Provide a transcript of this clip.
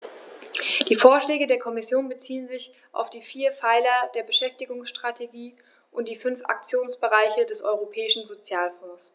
Die Vorschläge der Kommission beziehen sich auf die vier Pfeiler der Beschäftigungsstrategie und die fünf Aktionsbereiche des Europäischen Sozialfonds.